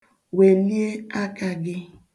Welie aka gị.